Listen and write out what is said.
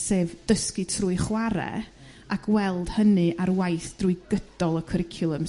sef dysgu trwy chwar'e a gweld hynny ar waith drwy gydol y cwricwlwm